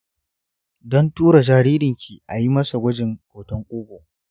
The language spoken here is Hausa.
dan tura jaririnki ayi masa gwajin hoton kugu.